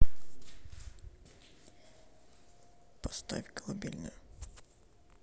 поставь колыбельную